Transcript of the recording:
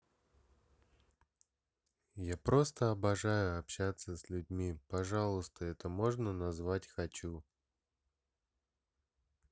я просто обожаю общаться с людьми пожалуйста это можно назвать хочу